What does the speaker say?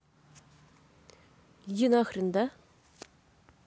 иди нахрен да